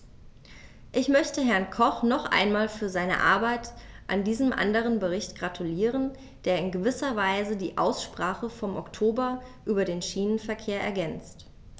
Ich möchte Herrn Koch noch einmal für seine Arbeit an diesem anderen Bericht gratulieren, der in gewisser Weise die Aussprache vom Oktober über den Schienenverkehr ergänzt.